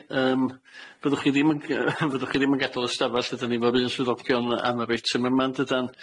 Yym, fyddwch chi ddim yn ga- fyddwch chi ddim yn gada'l ystafall. Rydan ni efo'r un swyddogion am yr eitem yma yn dydan,